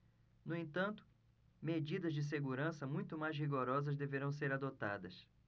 no entanto medidas de segurança muito mais rigorosas deverão ser adotadas